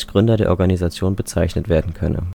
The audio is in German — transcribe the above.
Gründer der Organisation bezeichnet werden könne